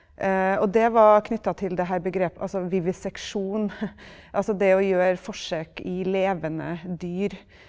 og det var knytta til det her altså viviseksjon altså det å gjøre forsøk i levende dyr.